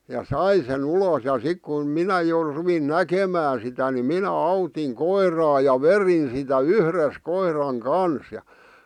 ja sai sen ulos ja sitten kun minä jo rupesin näkemään sitä niin minä autoin koiraa ja vedin sitä yhdessä koiran kanssa ja